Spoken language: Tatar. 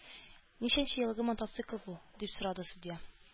Ничәнче елгы мотоцикл бу? – дип сорады судья.